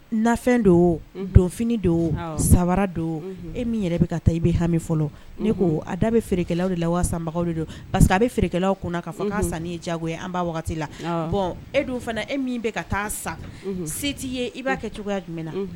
Nafɛn do donf do sabara do e min yɛrɛ bɛ taa i bɛ hami fɔlɔ ne ko a da bɛ feerekɛlaw de la waa sanbagaw don parceri que a bɛ fkɛlaw kɔnɔ ka fɔ k' san diyago an' wagati la bɔn e dun fana e min bɛ ka taa sa se t'i ye i b'a kɛ cogoyaya jumɛn na